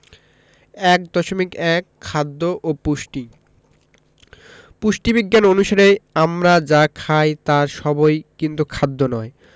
১.১ খাদ্য ও পুষ্টি পুষ্টিবিজ্ঞান অনুসারে আমরা যা খাই তার সবই কিন্তু খাদ্য নয়